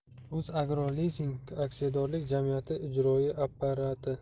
o'zagrolizing aksiyadorlik jamiyati ijroiya apparati